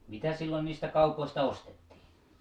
mitä silloin niistä kaupoista ostettiin